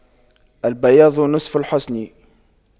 البياض نصف الحسن